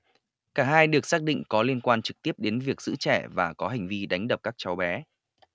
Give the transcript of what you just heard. cả hai được xác định có liên quan trực tiếp đến việc giữ trẻ và có hành vi đánh đập các cháu bé